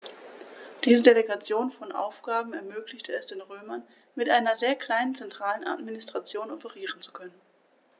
Diese Delegation von Aufgaben ermöglichte es den Römern, mit einer sehr kleinen zentralen Administration operieren zu können.